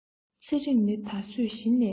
ཚེ རིང ནི ད གཟོད གཞི ནས